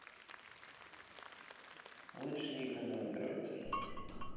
лучшие игры на андроид